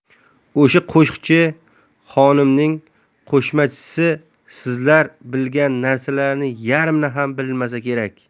o'sha qo'shiqchi xonimning qo'shmachisi sizlar bilgan narsalarning yarmini ham bilmasa kerak